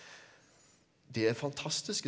de er fantastiske.